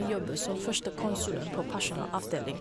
Jobber som førstekonsulent på personalavdeling.